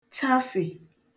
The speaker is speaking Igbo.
chafè